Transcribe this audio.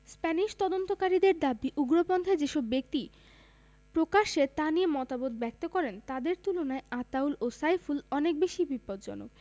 Spanish তদন্তকারীদের দাবি উগ্রপন্থায় যেসব ব্যক্তি প্রকাশ্যে তা নিয়ে মতামত ব্যক্ত করেন তাদের তুলনায় আতাউল ও সাইফুল অনেক বেশি বিপজ্জনক